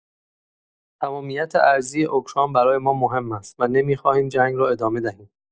تمامیت ارضی اوکراین برای ما مهم است و نمی‌خواهیم جنگ را ادامه دهیم.